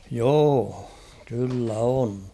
joo kyllä on